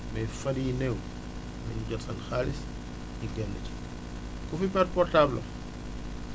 mais fan yii néew nañ jot seen xaalis ñu génn ci ku fi perte portable am